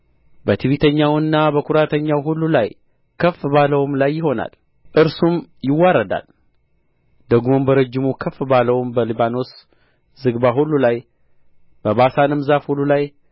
በትዕቢተኛውና በኵራተኛው ሁሉ ላይ ከፍ ባለውም ላይ ይሆናል እርሱም ይዋረዳል ደግሞም በረጅሙ ከፍ ባለው በሊባኖስ ዝግባ ሁሉ ላይ በባሳንም ዛፍ ሁሉ ላይ